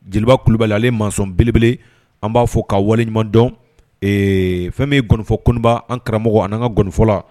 Jeliba kulubali ale ma sɔn beleb an b'a fɔ k ka waleɲuman dɔn fɛn bɛ gfɔ koba an karamɔgɔ ani ka nkɔnifɔla